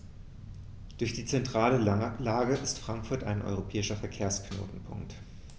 Durch die zentrale Lage ist Frankfurt ein europäischer Verkehrsknotenpunkt.